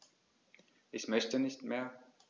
Ich möchte nicht mehr.